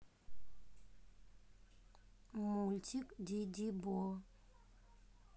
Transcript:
мультик дидибо